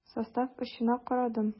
Состав очына карадым.